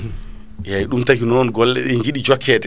eyyi ɗu taahi non gole ɗe jiiɗi jokkede